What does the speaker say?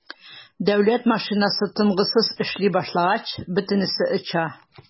Дәүләт машинасы тынгысыз эшли башлагач - бөтенесе оча.